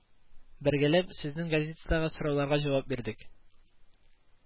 Бергәләп сезнең газетадагы сорауларга җавап бирдек